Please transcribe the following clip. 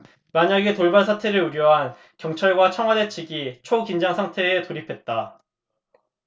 만약의 돌발 사태를 우려한 경찰과 청와대 측이 초긴장상태에 돌입했다